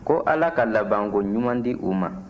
ko ala ka labankoɲuman di u ma